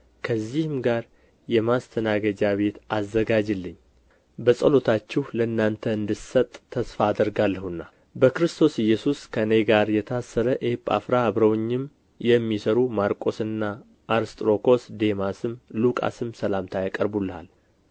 ከዚህም ጋር የማስተናገጃ ቤት አዘጋጅልኝ በጸሎታችሁ ለእናንተ እንድሰጥ ተስፋ አደርጋለሁና በክርስቶስ ኢየሱስ ከእኔ ጋር የታሰረ ኤጳፍራ አብረውኝም የሚሰሩ ማርቆስና አርስጥሮኮስ ዴማስም ሉቃስም ሰላምታ ያቀርቡልሃል